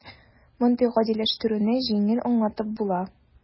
Мондый "гадиләштерү"не җиңел аңлатып була: